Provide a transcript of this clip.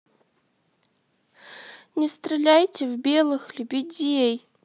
не стреляйте в белых лебедей